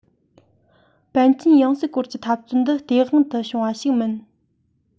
པཎ ཆེན ཡང སྲིད སྐོར གྱི འཐབ རྩོད འདི སྟེས དབང དུ བྱུང བ ཞིག མིན